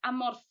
a mor